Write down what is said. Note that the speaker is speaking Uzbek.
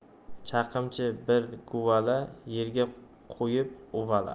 chaqimchi bir guvala yerga qo'yib uvala